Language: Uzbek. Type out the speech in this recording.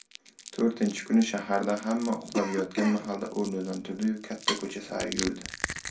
to'rtinchi kuni saharda hamma uxlab yotgan mahalda o'rindan turdi yu katta ko'cha sari yurdi